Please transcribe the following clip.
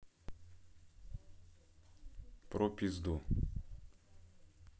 про пизду